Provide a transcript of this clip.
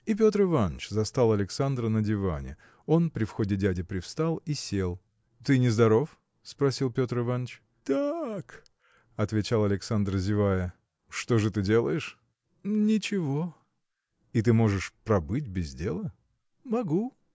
И Петр Иваныч застал Александра на диване. Он при входе дяди привстал и сел. – Ты нездоров? – спросил Петр Иваныч. – Так. – отвечал Александр, зевая. – Что же ты делаешь? – Ничего. – И ты можешь пробыть без дела? – Могу.